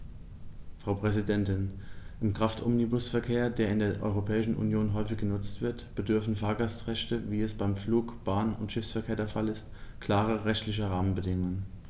Frau Präsidentin, im Kraftomnibusverkehr, der in der Europäischen Union häufig genutzt wird, bedürfen Fahrgastrechte, wie es beim Flug-, Bahn- und Schiffsverkehr der Fall ist, klarer rechtlicher Rahmenbedingungen.